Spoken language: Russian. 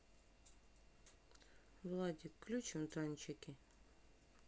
владик включим танчики